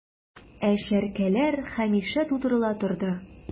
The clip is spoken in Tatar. Ә чәркәләр һәмишә тутырыла торды...